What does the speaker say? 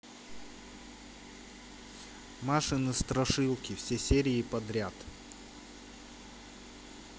машины страшилки все серии подряд